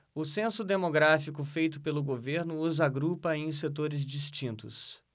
o censo demográfico feito pelo governo os agrupa em setores distintos